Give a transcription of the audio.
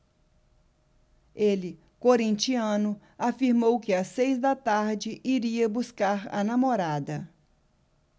ele corintiano afirmou que às seis da tarde iria buscar a namorada